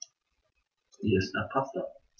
Mir ist nach Pasta.